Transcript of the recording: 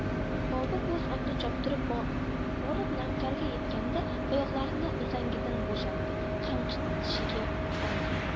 bobur bo'z otni choptirib borib navkarga yetganda oyoqlarini uzangidan bo'shatdi qamchini tishiga oldi